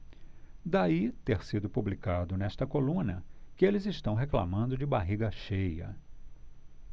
daí ter sido publicado nesta coluna que eles reclamando de barriga cheia